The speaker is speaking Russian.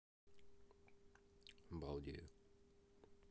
балдею